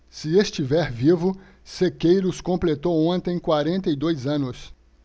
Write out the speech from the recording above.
se estiver vivo sequeiros completou ontem quarenta e dois anos